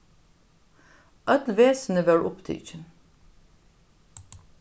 øll vesini vóru upptikin